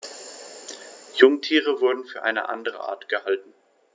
Jungtiere wurden für eine andere Art gehalten.